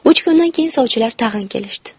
uch kundan keyin sovchilar tag'in kelishdi